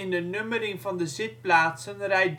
de nummering van de zitplaatsen rij